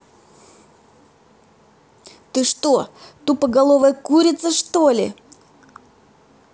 ты что тупоголовая курица что ли